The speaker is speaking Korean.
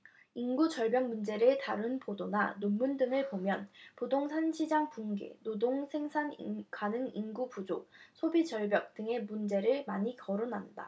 인구절벽 문제를 다룬 보도나 논문 등을 보면 부동산시장 붕괴 노동생산 가능인구 부족 소비절벽 등의 문제를 많이 거론한다